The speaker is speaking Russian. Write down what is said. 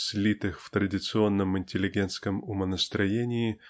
слитых в традиционном интеллигентском умонастроении